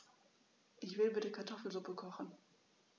Ich will bitte Kartoffelsuppe kochen.